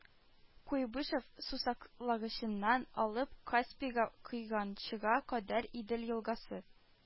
Куйбышев сусаклагычыннан алып Каспийга койганчыга кадәр Идел елгасы